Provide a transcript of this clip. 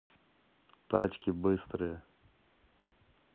тачки быстрые